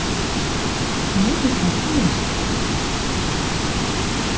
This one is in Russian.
музыка няшка